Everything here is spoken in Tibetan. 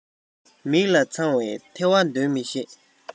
མིག ལ འཚངས པའི ཐལ བ འདོན མི ཤེས